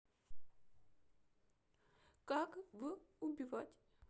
как в убивать